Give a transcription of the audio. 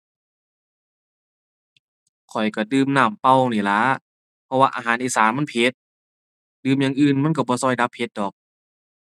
ข้อยก็ดื่มน้ำเปล่านี่ล่ะ เพราะว่าอาหารอีสานมันเผ็ด ดื่มอย่างอื่นมันก็บ่ก็ดับเผ็ดดอก